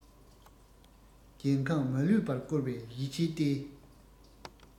རྒྱལ ཁམས མ ལུས པར བསྐོར བའི ཡིད ཆེས བརྟས